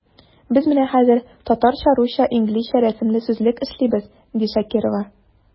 Без менә хәзер “Татарча-русча-инглизчә рәсемле сүзлек” эшлибез, ди Шакирова.